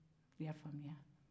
i y'a faamuya